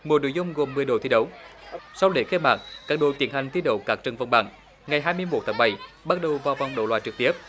mỗi nội dung gồm mười đội thi đấu sau lễ khai mạc các đội tiến hành thi đấu các trận vòng bảng ngày hai mươi mốt tháng bảy bắt đầu vào vòng đấu loại trực tiếp